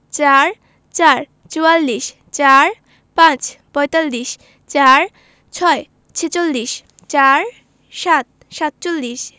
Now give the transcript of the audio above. ৪৪ চুয়াল্লিশ ৪৫ পঁয়তাল্লিশ ৪৬ ছেচল্লিশ ৪৭ সাতচল্লিশ